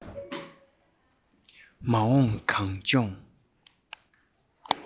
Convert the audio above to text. མ འོངས གངས ལྗོངས